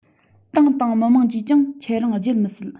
ཏང དང མི དམངས ཀྱིས ཀྱང ཁྱེད རང བརྗེད མི སྲིད